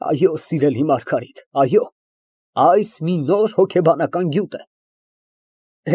Այո սիրելի, Մարգարիտ, այս մի նոր հոգեբանական գյուտ է։